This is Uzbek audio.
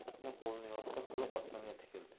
yana qo'lini yostiq qilib osmonga tikildi